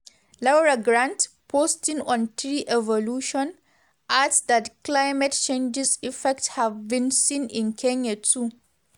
Laura Grant, posting on Treevolution, adds that climate change's effects have been seen in Kenya too.